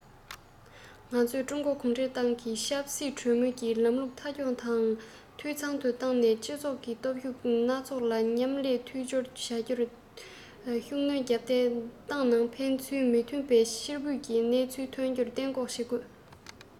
ང ཚོས ཀྲུང གོ གུང ཁྲན ཏང གིས ཆབ སྲིད གྲོས མོལ གྱི ལམ ལུགས མཐའ འཁྱོངས དང འཐུས ཚང དུ བཏང ནས སྤྱི ཚོགས ཀྱི སྟོབས ཤུགས སྣ ཚོགས མཉམ ལས མཐུན སྦྱོར བྱ རྒྱུར ཤུགས སྣོན བརྒྱབ སྟེ ཏང ནང ཕན ཚུན མི མཐུན པ དང ཕྱིར འབུད ཀྱི སྣང ཚུལ ཐོན རྒྱུ གཏན འགོག བྱེད དགོས